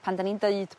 pan 'dan ni'n deud